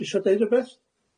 isio deud rywbeth?